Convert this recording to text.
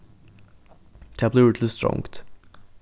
tað blívur til strongd